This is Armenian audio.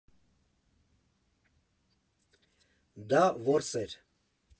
Դա որս էր։